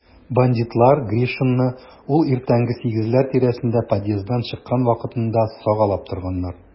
Бандитлар Гришинны ул иртәнге сигезләр тирәсендә подъезддан чыккан вакытында сагалап торганнар.